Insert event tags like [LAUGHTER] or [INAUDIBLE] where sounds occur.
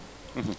[HESITATION] [HESITATION]